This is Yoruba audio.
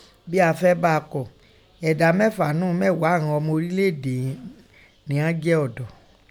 Bá a fẹ́ bá a kọ, ẹ̀da mẹfa ńnu mẹghaa ìnán ọmọ ọrilẹ ede iin nẹ ọn jẹ ọdọ.